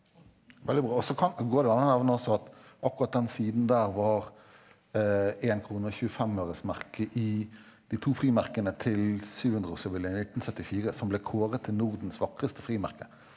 veldig bra og så går det an å nevne også at akkurat den siden der var én krone og tjuefemøresmerket i de to frimerkene til syvhundreårsjubileet i 1974 som ble kåret til Nordens vakreste frimerke.